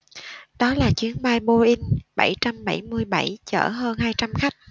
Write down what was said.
đó là chuyến bay boeing bảy trăm bảy mươi bảy chở hơn hai trăm khách